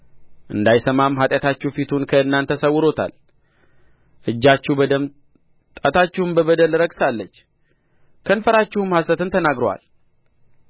እንዳይሰማም ኃጢአታችሁ ፊቱን ከእናንተ ሰውሮታል እጃችሁ በደም ጣታችሁም በበደል ረክሳለች ከንፈራችሁም ሐሰትን ተናግሮአል